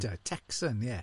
Texan, ie.